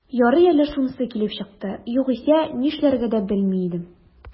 Ярый әле шунысы килеп чыкты, югыйсә, нишләргә дә белми идем...